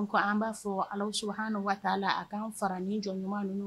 An b'a fɔ ala hali'a la a k'an fara ni jɔ ɲuman ninnu